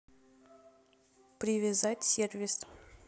привязать сервис